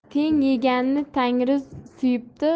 teng yeganni tangri suyibdi